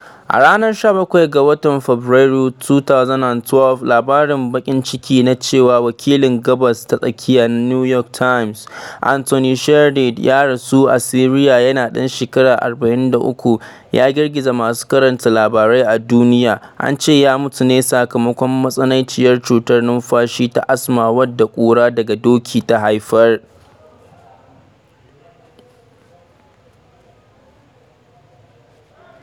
A ranar 17 ga Fabrairu, 2012, labarin baƙin ciki na cewa wakilin Gabas ta Tsakiya na New York Times, Anthony Shadid, ya rasu a Siriya yana ɗan shekaru 43, ya girgiza masu karanta labarai a duniya. An ce ya mutu ne sakamakon matsananciyar cutar numfashi ta asma wadda ƙura daga doki ta haifar.